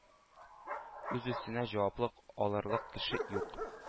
Үз өстенә җаваплылык алырлык кеше юк!